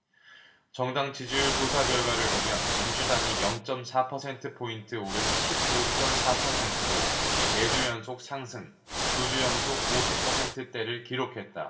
정당 지지율 조사결과를 보면 민주당이 영 쩜 사 퍼센트포인트 오른 오십 쩜 사 퍼센트로 네 주 연속 상승 두 주 연속 오십 퍼센트대를 기록했다